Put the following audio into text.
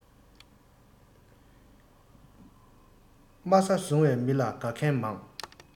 དམའ ས བཟུང བའི མི ལ དགའ མཁན མང